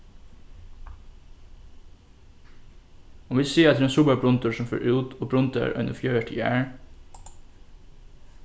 um vit siga at tað er ein super brundur sum fer út og brundar eini fjøruti ær